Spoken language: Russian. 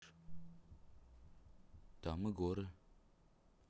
там и горы